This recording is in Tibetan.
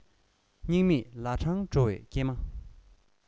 སྙིང མེད ལ འཕྲང སྒྲོལ བའི སྐྱེལ མ